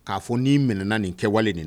K'a fɔ ni mɛna nin kɛwale de